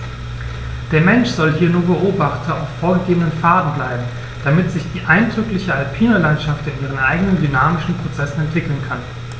Der Mensch soll hier nur Beobachter auf vorgegebenen Pfaden bleiben, damit sich die eindrückliche alpine Landschaft in ihren eigenen dynamischen Prozessen entwickeln kann.